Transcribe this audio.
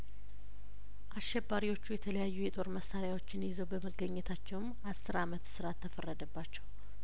አሸባሪዎቹ የተለያዩ የጦር መሳሪያዎችን ይዘው በመገኘታቸውም አስር አመት እስራት ተፈረደባቸው